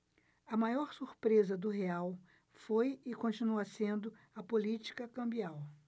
a maior surpresa do real foi e continua sendo a política cambial